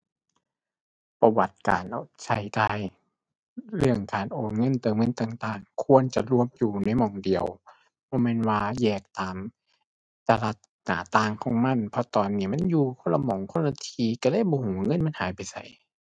ประวัติการเราใช้จ่าย เรื่องการโอนเงินเติมเงินต่างต่างควรจะรวมอยู่ในหม้องเดียว บ่แม่นว่าแยกตามแต่ละหน้าต่างของมัน เพราะตอนนี้มันอยู่คนละหม้องคนละที่ ก็เลยบ่ก็ว่าเงินมันหายไปไส